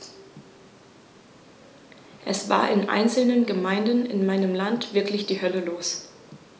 Es war in einzelnen Gemeinden in meinem Land wirklich die Hölle los.